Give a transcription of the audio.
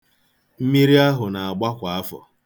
Mmiri ahụ na-agba kwa afọ.